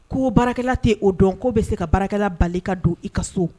Ko baarakɛla tɛ o dɔn ko bɛ se ka baarakɛla bali ka don i ka so